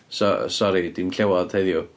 So- sori, dim llewod heddiw.